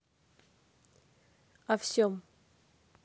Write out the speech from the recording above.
о всем